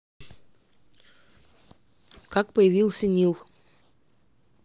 как появился нил